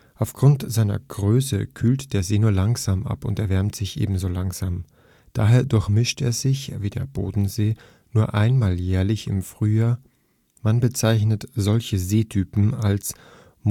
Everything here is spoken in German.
Aufgrund seiner Größe kühlt der See nur langsam ab und erwärmt sich ebenso langsam, daher durchmischt er sich wie der Bodensee nur einmal jährlich im Frühjahr, man bezeichnet solche Seentypen als monomiktisch